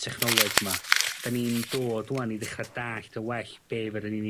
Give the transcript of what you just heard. technoleg 'ma. 'Dyn ni'n dod ŵan i ddechra dallt yn well be'fyddan ni'n 'i